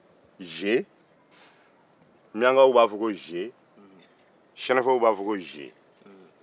miyankaw ni sɛnefɔw b'a fɔ ko ziye